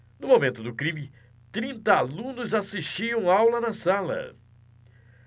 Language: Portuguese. no momento do crime trinta alunos assistiam aula na sala